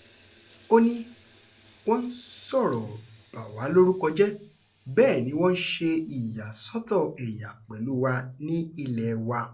Ó ní "wọ́n ń sọ̀rọ̀ bà wá lórúkọ jẹ́, bẹ́ẹ̀ ni wọ́n ń ṣe ìyàsọ́tọ̀ ẹ̀yà pẹ̀lúu wa ní ilẹ̀ẹ wa".